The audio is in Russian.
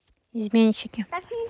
изменщики